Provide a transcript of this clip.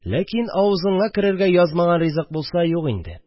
Ләкин авызыңа керергә язмаган ризык булса, юк инде